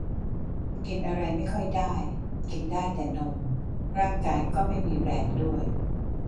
กินอะไรไม่ค่อยได้กินได้แต่นมร่างกายก็ไม่มีแรงด้วย